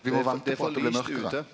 det er for lyst ute.